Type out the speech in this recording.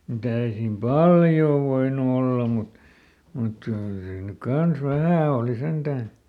mutta ei siinä paljoa voinut olla mutta mutta kyllä siinä nyt kanssa vähän oli sentään